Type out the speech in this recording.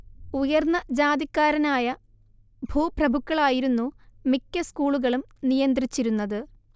ഉയർന്ന ജാതിക്കാരനായ ഭൂപ്രഭുക്കളായിരുന്നു മിക്ക സ്കൂളുകളും നിയന്ത്രിച്ചിരുന്നത്